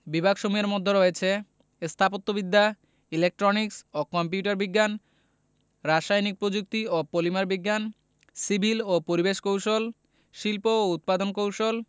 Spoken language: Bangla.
বিভাগসমূহের মধ্যে আছে স্থাপত্যবিদ্যা ইলেকট্রনিক্স ও কম্পিউটার বিজ্ঞান রাসায়নিক প্রযুক্তি ও পলিমার বিজ্ঞান সিভিল ও পরিবেশ কৌশল শিল্প ও উৎপাদন কৌশল